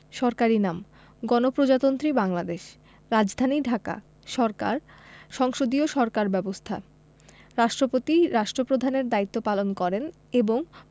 সরকারি নামঃ গণপ্রজাতন্ত্রী বাংলাদেশ রাজধানীঃ ঢাকা সরকারঃ সংসদীয় সরকার ব্যবস্থা রাষ্ট্রপতি রাষ্ট্রপ্রধানের দায়িত্ব পালন করেন এবং